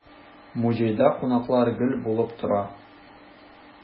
Музейда кунаклар гел булып тора.